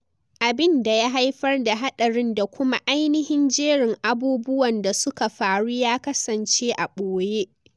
Abin da ya haifar da hadarin da kuma ainihin jerin abubuwan da suka faru ya kasance a boye.